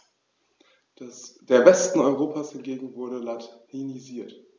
Der Westen Europas hingegen wurde latinisiert.